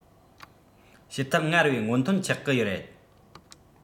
བྱེད ཐབས སྔར བས སྔོན ཐོན ཆགས གི རེད